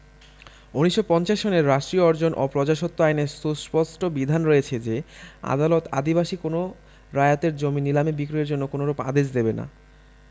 ১৯৫০ সনের রাষ্ট্রীয় অর্জন ও প্রজাস্বত্ব আইনে সুস্পষ্ট বিধান রয়েছে যে আদালত আদিবাসী কোন রায়তের জমি নিলামে বিক্রয়ের জন্য কোনরূপ আদেশ দেবেনা